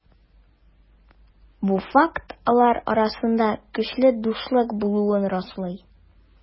Бу факт алар арасында көчле дуслык булуын раслый.